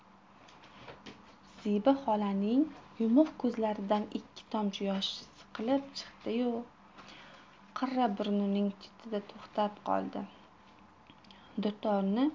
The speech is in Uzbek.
zebi xolaning yumuq ko'zlaridan ikki tomchi yosh silqib chiqdiyu qirra burnining chetida to'xtab qoldi